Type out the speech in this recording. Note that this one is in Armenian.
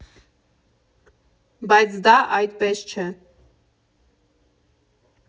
Բայց դա այդպես չէ։